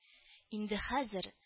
Инде хәзер